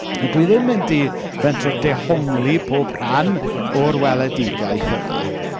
Dwi ddim yn mynd i fentro dehongli pob rhan o'r weledigaeth yma...